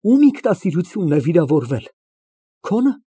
Ո՞ւմ ինքնասիրությունն է վիրավորվել։ Քո՞նը։